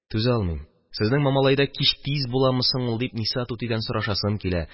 Түзә алмыйм, сезнең Мамалайда кич тиз буламы соң ул, дип, Ниса түтидән сорашасым килә.